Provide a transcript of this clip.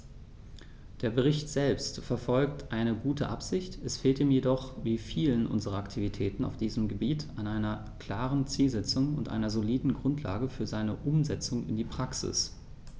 Der Bericht selbst verfolgt eine gute Absicht, es fehlt ihm jedoch wie vielen unserer Aktivitäten auf diesem Gebiet an einer klaren Zielsetzung und einer soliden Grundlage für seine Umsetzung in die Praxis.